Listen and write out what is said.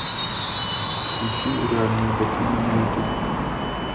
включи реальные пацаны на ютуб